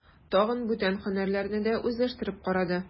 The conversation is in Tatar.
Тагын бүтән һөнәрләрне дә үзләштереп карады.